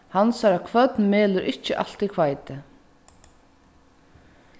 hansara kvørn melur ikki altíð hveiti